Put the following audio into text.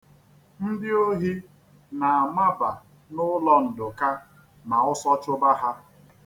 Ndị ohi na-amaba n'ụlọ Nduka ma ọsọ chụba ha.